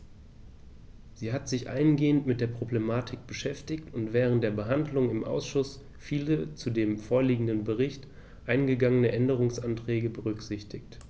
Sie hat sich eingehend mit der Problematik beschäftigt und während der Behandlung im Ausschuss viele zu dem vorliegenden Bericht eingegangene Änderungsanträge berücksichtigt.